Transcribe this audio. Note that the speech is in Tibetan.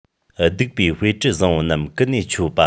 བདུག པའི སྤོས དྲི བཟང པོ རྣམས ཀུན ནས མཆོད པ